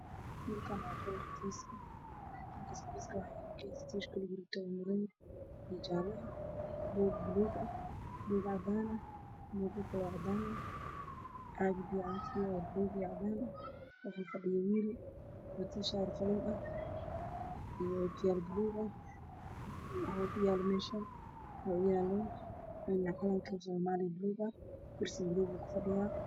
Waa xafiis waxaa fadhiya niman wuxuu wataa shaati suud cadaan ah waxaa ku jira computer